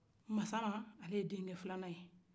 masaman ale ye den cɛ filananye